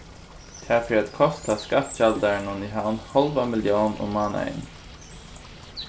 tað fer at kosta skattgjaldarunum í havn hálva millión um mánaðin